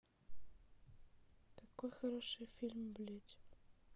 какой хороший фильм блядь